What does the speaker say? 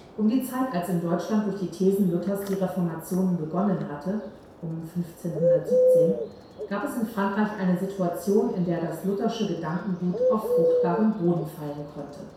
Um die Zeit, als in Deutschland durch die Thesen Luthers die Reformation begonnen hatte (1517), gab es in Frankreich eine Situation, in der das Luthersche Gedankengut auf fruchtbaren Boden fallen konnte